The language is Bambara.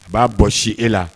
A b'a bɔ si e la